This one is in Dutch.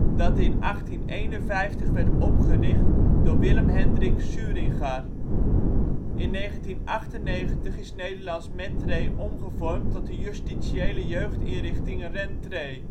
dat in 1851 werd opgericht door Willem Hendrik Suringar. In 1998 is Nederlandsch Mettray omgevormd tot de Justitiële Jeugdinrichting Rentray